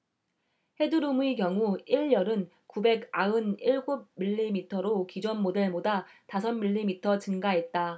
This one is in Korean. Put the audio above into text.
헤드룸의 경우 일 열은 구백 아흔 일곱 밀리미터로 기존 모델보다 다섯 밀리미터 증가했다